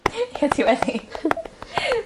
Ie dwi wedi.